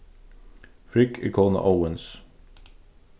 frigg er kona óðins